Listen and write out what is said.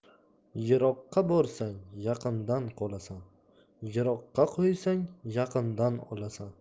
yiroqqa borsang yaqindan qolasan yiroqqa qo'ysang yaqindan olasan